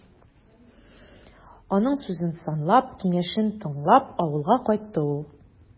Аның сүзен санлап, киңәшен тыңлап, авылга кайтты ул.